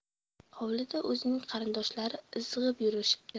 hovlida o'zining qarindoshlari izg'ib yurishibdi